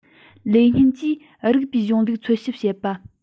ལེ ཉིན གྱིས རིགས པའི གཞུང ལུགས འཚོལ ཞིབ བྱེད པ